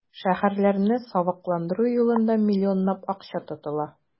Шәһәрләрне савыкландыру юлында миллионлап акча тотыла.